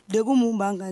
Deg mun b'ankan